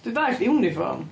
Dwi dallt uniform.